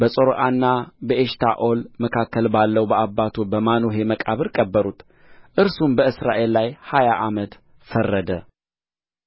በጾርዓና በኤሽታኦል መካከል ባለው በአባቱ በማኑሄ መቃብር ቀበሩት እርሱም በእስራኤል ላይ ሀያ ዓመት ፈረደ